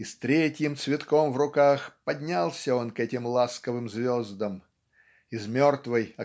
и с третьим цветком в руках поднялся он к этим ласковым звездам. Из мертвой